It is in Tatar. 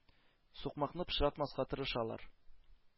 Сукмакны пычратмаска тырышалар.